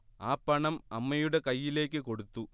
ആ പണം അമ്മയുടെ കയ്യിലേക്ക് കൊടുത്തു